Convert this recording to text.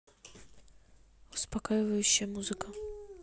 успокаивающая музыка